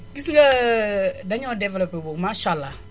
gis nga dañoo développé boog maasàllaa